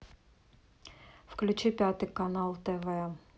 включи пятый канал тв